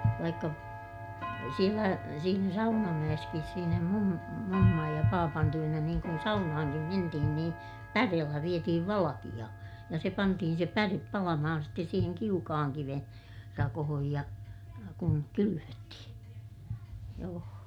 vaikka siellä siinä Saunamäessäkin siinä - mummon ja papan tykönä niin kun saunaankin mentiin niin päreellä vietiin valkea ja se pantiin se päre palamaan sitten siihen kiukaan kiven rakoon ja kun kylvettiin joo